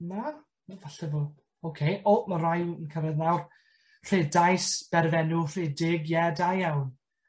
Na? efalle bo'... Oce. O! Ma' rai w yn cyrredd nawr. Rhedais berfenw rhedeg, ie, da iawn.